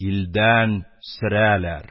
Илдән сөрәләр.